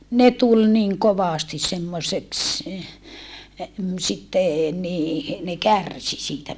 ne tuli niin kovasti semmoiseksi sitten niin ne kärsi siitä